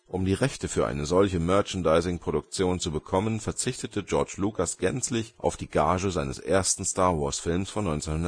Um die Rechte für eine solche Merchandising Produktion zu bekommen, verzichtete George Lucas gänzlich auf die Gage seines ersten Star-Wars-Films von 1977